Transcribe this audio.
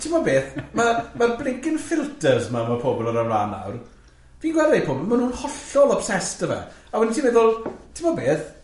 Ti'mod beth? Ma' ma'r blinking filters ma' ma' pobl ar ymlaen nawr, fi'n gweld rhai pobl, ma' nhw'n hollol obsessed â fe, a wedyn ti'n meddwl, ti'mod beth?